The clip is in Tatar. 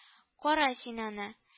— кара син аны